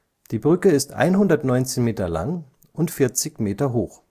Die Brücke ist 119 Meter lang und 40 Meter hoch